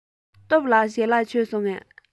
སྟོབས ལགས ཞལ ལག མཆོད སོང ངས